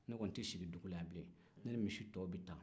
ne kɔnin tɛ sigi dugula yan bilen ne ni misi tɔw bɛ taa